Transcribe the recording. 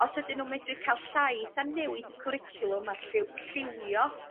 os ydyn nhw'n medru ca'l llais a newid y cwricwlwm a lliw- lliwio